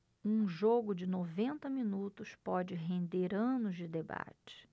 um jogo de noventa minutos pode render anos de debate